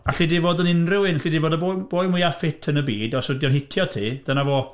Alli di fod yn unrhyw un, alli di fod y boi boi mwya ffit yn y byd, os ydy o'n hitio ti, dyna fo.